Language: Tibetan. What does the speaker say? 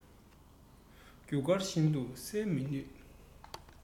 རྒྱུ སྐར བཞིན དུ གསལ མི ནུས